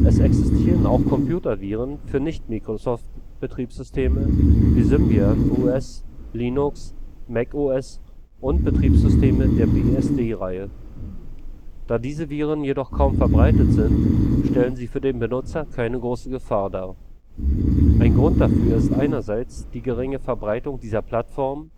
Es existieren auch Computerviren für Nicht-Microsoft-Betriebssysteme wie Symbian OS, Linux, Mac OS und Betriebssysteme der BSD-Reihe. Da diese Viren jedoch kaum verbreitet sind, stellen sie für den Benutzer keine große Gefahr dar. Ein Grund dafür ist einerseits die geringere Verbreitung dieser Plattformen